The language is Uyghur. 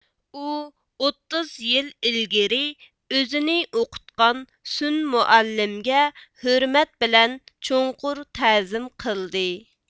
ئۇ ئوتتۇز يىل ئىلگىرى ئۆزىنى ئوقۇتقان سۈن مۇئەللىمگە ھۆرمەت بىلەن چوڭقۇر تەزىم قىلدى